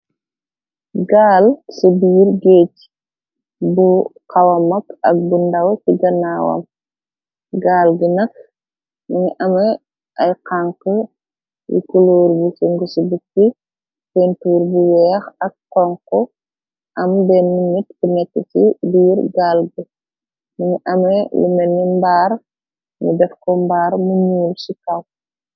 Gaal si biir géej bu xawa mag ak bu ndaw ti ganaawam, gaal gi nak mingi ame ay xanx yu kuluur bu sungusi bukki, pentur bu weex ak xonxu, am benne nit bu nekk ci biir gaal bi, mingi ame lu menni mbaar, mu def ko mbaar mu ñuul ci kaw.